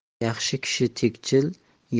yaxshi kishi tegchil